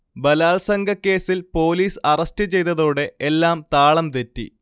ബലാത്സംഗക്കേസിൽ police arrest ചെയ്തതോടെ എ്ല്ലാം താളം തെറ്റി